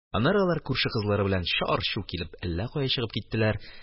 Аннары алар күрше кызлары белән, чыр-чу килеп, әллә кая чыгып киттеләр.